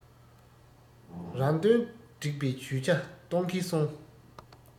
རང དོན སྒྲིག པའི ཇུས ཆ གཏོང གིན སོང